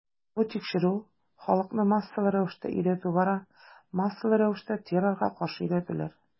Бу тикшерү, халыкны массалы рәвештә өйрәтү бара, массалы рәвештә террорга каршы өйрәтүләр.